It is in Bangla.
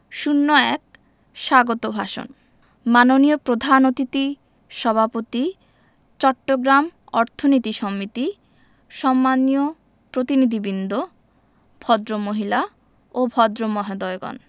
০১ স্বাগত ভাষণ মাননীয় প্রধান অতিথি সভাপতি চট্টগ্রাম অর্থনীতি সমিতি সম্মানীয় প্রতিনিধিবিন্দ ভদ্রমহিলা ও ভদ্রমহোদয়গণ